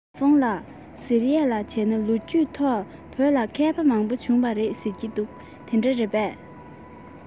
ཞའོ ཧྥུང ལགས ཟེར ཡས ལ བྱས ན ལོ རྒྱུས ཐོག བོད ལ མཁས པ མང པོ བྱུང བ རེད ཟེར གྱིས དེ འདྲ རེད པས